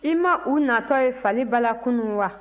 i ma u natɔ ye fali balan kunun wa